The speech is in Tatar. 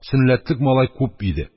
Сөннәтлек малай күп иде.